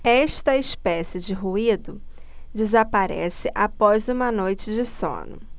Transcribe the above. esta espécie de ruído desaparece após uma noite de sono